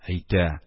Әйтә: